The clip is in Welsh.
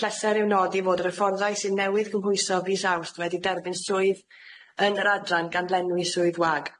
Pleser i'w nodi fod yr hyfforddai sy'n newydd cymhwyso fis Awst wedi derbyn swydd yn yr adran gan lenwi swydd wag.